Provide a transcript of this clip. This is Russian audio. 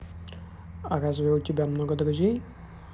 а разве у тебя много друзей